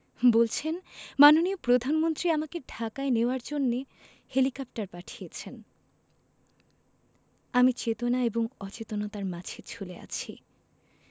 বলছেন মাননীয় প্রধানমন্ত্রী আমাকে ঢাকায় নেওয়ার জন্যে হেলিকপ্টার পাঠিয়েছেন আমি চেতনা এবং অচেতনার মাঝে ঝুলে আছি